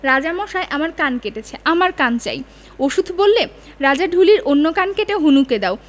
রাজামশায় আমার কান কেটেছে আমার কান চাই অশ্বখ বললে রাজা ঢুলির অন্য কান কেটে হনুকে দাও